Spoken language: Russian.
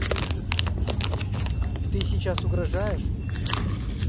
ты сейчас угрожаешь